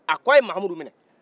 a k' a ye mamudu minɛ